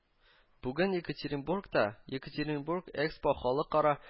Бүген Екатеринбургта “Екатеринбург-Экспо” халыкара